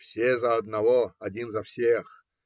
Все за одного, один за всех.